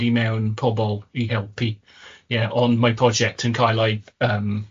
i mewn pobol i helpu. Ie. Ond mae project yn cael ei yym